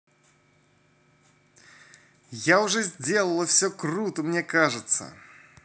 я уже сделала все круто мне кажется